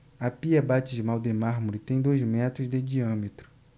a pia batismal de mármore tem dois metros de diâmetro